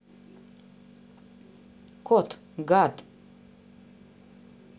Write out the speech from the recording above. кот гад